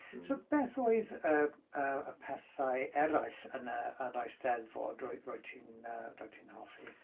so beth oedd y y pethau eraill yn y yn yr Eisteddfod ro't ti ro't ti'n hoffi?